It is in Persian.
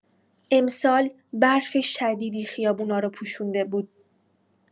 امسال برف شدیدی خیابونا رو پوشونده بود.